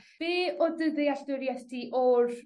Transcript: ...be' o'dd dy ddealltwrieth ti o'r